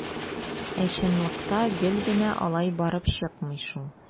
Ә чынлыкта гел генә алай барып чыкмый шул.